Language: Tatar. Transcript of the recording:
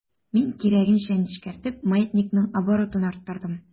Миңа кирәгенчә нечкәртеп, маятникның оборотын арттырдым.